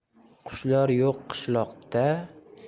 qushlar yo'q qishloqda